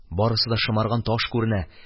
Барысы да шомарган таш күренә